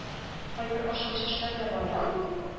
Кайбер ашыгыч эшләр дә бар иде